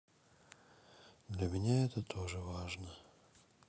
для меня это тоже важно